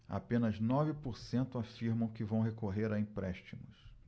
apenas nove por cento afirmam que vão recorrer a empréstimos